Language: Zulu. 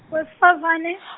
wesifazane .